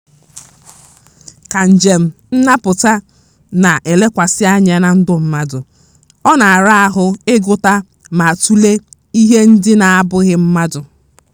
Ka njem nnapụta na-elekwasị anya na ndụ mmadụ, ọ na-ara ahụ ịgụta ma atule ihe ndị na-abụghị mmadụ.